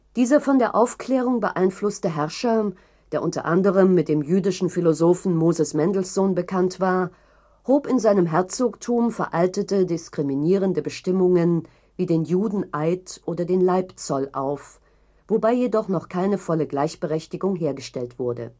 Dieser von der Aufklärung beeinflusste Herrscher, der u. a. mit dem jüdischen Philosophen Moses Mendelssohn bekannt war, hob in seinem Herzogtum veraltete diskriminierende Bestimmungen wie den Judeneid oder den Leibzoll auf, wobei jedoch noch keine volle Gleichberechtigung hergestellt wurde